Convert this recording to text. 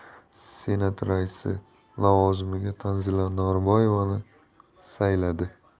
bilan senati raisi lavozimiga tanzila norboyevani sayladi